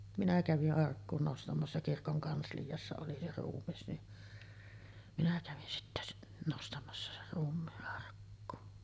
minä kävin arkkuun nostamassa kirkon kansliassa oli se ruumis niin minä kävin sitten nostamassa sen ruumiin arkkuun